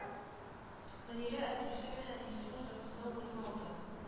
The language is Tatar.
Мөнирә әтисе белән әнисе уртасында урын алды